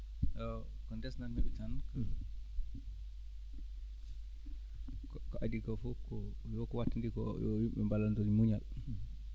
ko desnat mi ɓe tan ko adi ko fof do ko wattidi ko yo yimɓe mballonndir muñal